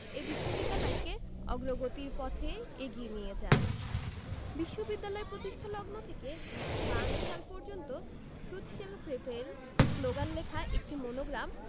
এ বিশ্ববিদ্যালয়কে অগ্রগতির পথে এগিয়ে নিয়ে যান বিশ্ববিদ্যালয় প্রতিষ্ঠালগ্ন থেকে ১৯৫২ সাল পর্যন্ত ট্রুত শেল প্রিভেইল শ্লোগান লেখা একটি মনোগ্রাম